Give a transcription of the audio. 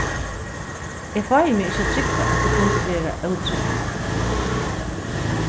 eg fái meg ikki at trúgva at tú kundi vera ótrúgv